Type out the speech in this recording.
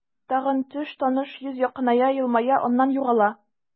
Тагын төш, таныш йөз якыная, елмая, аннан югала.